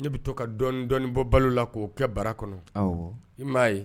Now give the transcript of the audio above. Ne bɛ to ka dɔndɔɔni bɔ balo la k'o kɛ baara kɔnɔ i m'a ye